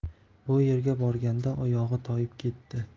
bu yerga borganda oyog'i toyib ketdi